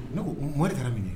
Ne ko mori kɛra min ye